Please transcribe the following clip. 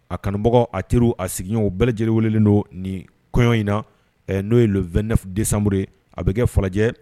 A kanubagaw a teriw a sigiɲɔgɔnw bɛɛ lajɛlen welelen don nin kɔɲɔ in na. Ɛɛ no ye le 2 décembre ye . A bɛ kɛ falajɛ.